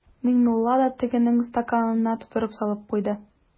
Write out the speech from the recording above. Миңнулла да тегенең стаканына тутырып салып куйды.